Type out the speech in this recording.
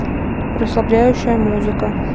расслабляющая музыка